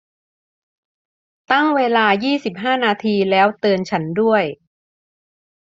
ตั้งเวลายี่สิบห้านาทีแล้วเตือนฉันด้วย